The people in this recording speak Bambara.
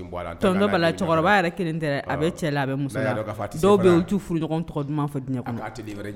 Tonton Bala cɛkɔrɔba kelen tɛ dɛ a bɛ cɛ la a bɛ muso la, N’a ya dɔ ka fɔ, dɔw bɛ in u t’u furu ɲɔgɔn tɔgɔ ɲuman fɔ diɲɛ kɔnɔ